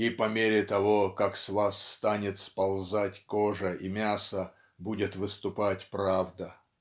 И по мере того как с вас станет сползать кожа и мясо будет выступать правда.